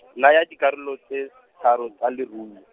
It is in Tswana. naya dikarolo tse, tharo tsa lerui.